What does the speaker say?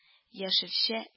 Яшелчә